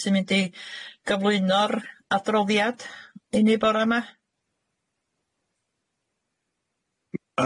sy'n mynd i gyflwyno'r adroddiad i ni bora 'ma?